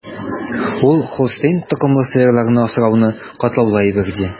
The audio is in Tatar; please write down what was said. Ул Һолштейн токымлы сыерларны асрауны катлаулы әйбер, ди.